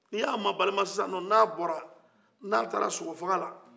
ni ye a mabalenma sisanninɔ ni a bɔra ni a taara sokofaga la